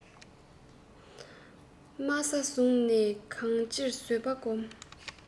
དམའ ས བཟུང ནས གང ཅིར བཟོད པ སྒོམ